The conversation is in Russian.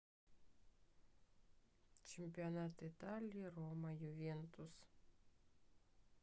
чемпионат италии рома ювентус